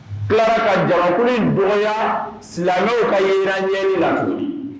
Tila ka jarakun nɔgɔya silamɛ ka yenran ɲɛ la